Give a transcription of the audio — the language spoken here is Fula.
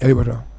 a yooɓata